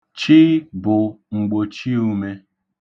'Ch' bụ mgbochiume.